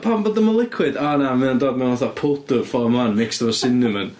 Pam bod o'm yn liquid? O na, mae o'n dod mewn fatha powder form 'wan mixed efo cinnamon.